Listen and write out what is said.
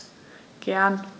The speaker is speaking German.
Gern.